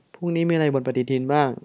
พรุ่งนี้มีอะไรอยู่บนปฎิทินบ้าง